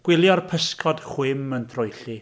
Gwylio'r pysgod chwim yn troelli.